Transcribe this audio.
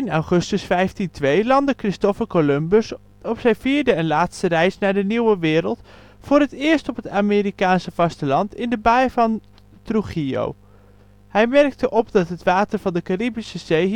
augustus 1502 landde Christopher Columbus op zijn vierde en laatste reis naar de Nieuwe Wereld voor het eerst op het Amerikaanse vasteland, in de Baai van Trujillo. Hij merkte op dat het water van de Caribische Zee